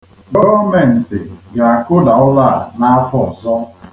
Gọọmentị ga-akụda ụlọ a n'afọ ọzọ.